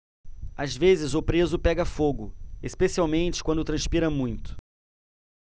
às vezes o preso pega fogo especialmente quando transpira muito